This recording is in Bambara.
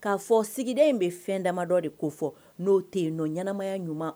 K'a fɔ sigida in bɛ fɛn damadɔ de ko fɔ n'o tɛ yen n'o ɲɛnaɛnɛmaya ɲuman